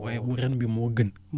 waaye bu ren bi moo gën